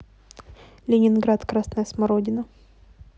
ленинград красная смородина